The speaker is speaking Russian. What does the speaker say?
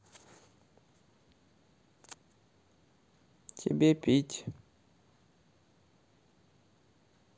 тебе пить